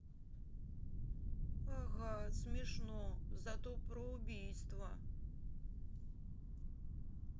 ага смешно зато про убийство